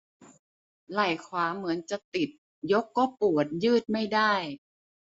ไหล่ขวาเหมือนจะติดยกก็ปวดยืดไม่ได้